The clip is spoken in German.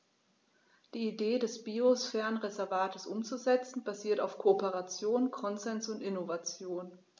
Die Idee des Biosphärenreservates umzusetzen, basiert auf Kooperation, Konsens und Innovation.